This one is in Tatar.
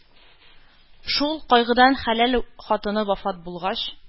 Шул кайгыдан хәләл хатыны вафат булгач,